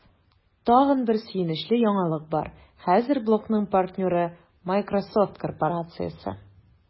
Тагын бер сөенечле яңалык бар: хәзер блогның партнеры – Miсrosoft корпорациясе!